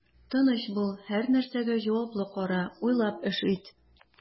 Тыныч бул, һәрнәрсәгә җаваплы кара, уйлап эш ит.